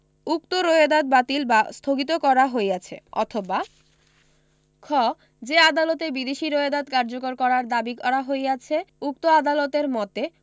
উক্ত রোয়েদাদ বাতিল বা স্থগিত করা হইয়াছে অথবা খ যে আদালতে বিদেশী রোয়েদাদ কার্যকর করার দাবী করা হইয়াছে উক্ত আদালতের মতে